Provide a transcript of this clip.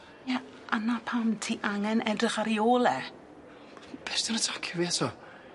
Ie a 'na pam ti angen edrych ar 'i ôl e. Be' 's 'di'n atacio fi eto?